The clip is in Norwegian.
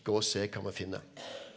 gå å se hva vi finner!